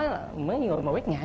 mấy người mà quét nhà